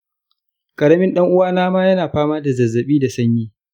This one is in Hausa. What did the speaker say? ƙaramin ɗan'uwana ma yana fama da zazzaɓi da sanyi.